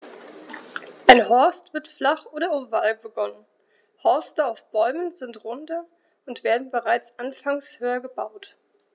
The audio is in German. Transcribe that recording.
Ein Horst wird flach und oval begonnen, Horste auf Bäumen sind runder und werden bereits anfangs höher gebaut.